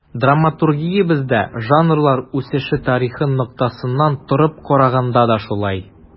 Драматургиябездә жанрлар үсеше тарихы ноктасынан торып караганда да шулай.